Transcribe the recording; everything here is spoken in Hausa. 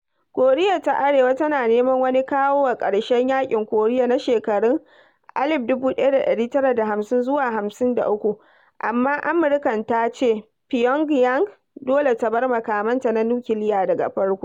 Koriya ta Arewa tana neman wani kawo wa ƙarshen Yaƙin Koriya na shekarun 1950 zuwa 53, amma Amurkan ta ce Pyongyang dole ta bar makamanta na nukiliya daga farko.